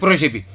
projet bi